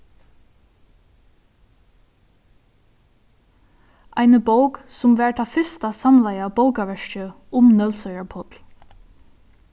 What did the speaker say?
eini bók sum var tað fyrsta samlaða bókaverkið um nólsoyar páll